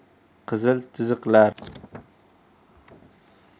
qizil chiziqlar